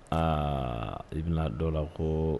Aa i bɛna dɔ la ko